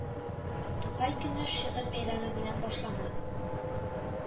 Тукай көне Шигырь бәйрәме белән башлана